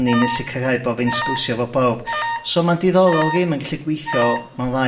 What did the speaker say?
oni'n sicrhau bo' fi'n sgwsio 'fo bowb so ma'n diddorol bo' hyn yn gallu gweithio mewn ddau